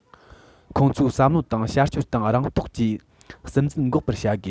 ཁོང ཚོས བསམ བློ དང བྱ སྤྱོད སྟེང རང རྟོགས ཀྱིས སིམ འཛུལ འགོག པར བྱ དགོས